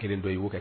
Kelen don y'o kɛ